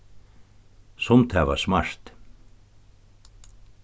sum tað var smart